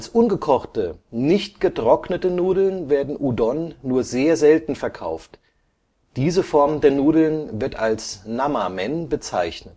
ungekochte, nicht getrocknete Nudeln werden Udon nur sehr selten verkauft, diese Form der Nudeln wird als Nama-men (なまめん, なま麺 oder 生麺) bezeichnet